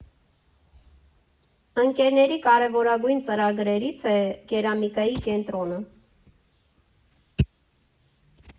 Ընկերների կարևորագույն ծրագրերից է կերամիկայի կենտրոնը։